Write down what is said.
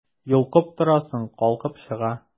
Йолкып торасың, калкып чыга...